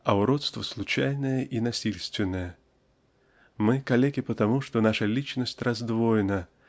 а уродство случайное и насильственное. Мы калеки потому что наша личность раздвоена